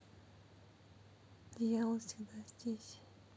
дьявол всегда здесь